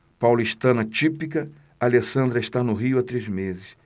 paulistana típica alessandra está no rio há três meses